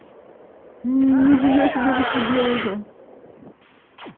нихуя себе вы что делаете